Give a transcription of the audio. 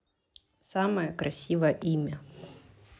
самое красивое имя